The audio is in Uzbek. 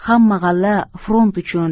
hamma g'alla front uchun